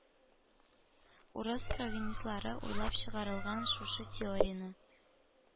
Урыс шовинистлары уйлап чыгарылган шушы теорияне